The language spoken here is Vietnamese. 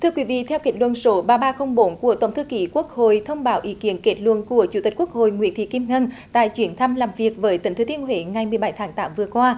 thưa quý vị theo kết luận số ba ba không bốn của tổng thư ký quốc hội thông báo ý kiến kết luận của chủ tịch quốc hội nguyễn thị kim ngân tại chuyến thăm làm việc với tỉnh thừa thiên huế ngày mười bảy tháng tám vừa qua